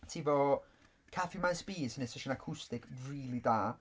Ti efo Caffi Maes B sy'n neud sesiwn acwstic rili da.